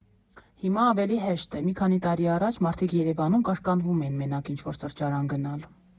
Հիմա ավելի հեշտ է, մի քանի տարի առաջ մարդիկ Երևանում կաշկանդվում էին մենակ ինչ֊որ սրճարան գնալ։